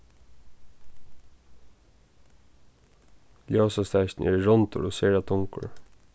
ljósastakin er rundur og sera tungur